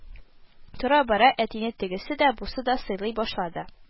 Тора-бара әтине тегесе дә, бусы да сыйлый башлады